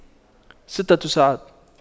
ستة ساعات